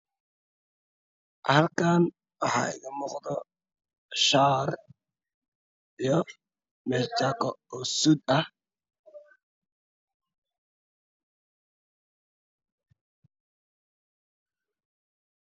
Halkaan waxaa iiga muuqdo shaar iyo jaakad suud ah.